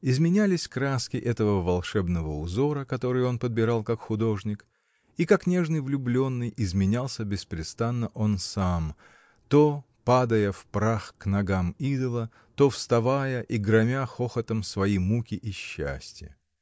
Изменялись краски этого волшебного узора, который он подбирал как художник и как нежный влюбленный, изменялся беспрестанно он сам, то падая в прах к ногам идола, то вставая и громя хохотом свои муки и счастье.